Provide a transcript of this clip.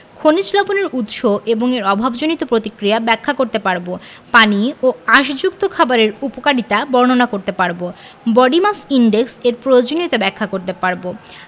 খনিজ লবণের উৎস এবং এর অভাবজনিত প্রতিক্রিয়া ব্যাখ্যা করতে পারব পানি ও আশযুক্ত খাবারের উপকারিতা বর্ণনা করতে পারব বডি মাস ইনডেক্স এর প্রয়োজনীয়তা ব্যাখ্যা করতে পারব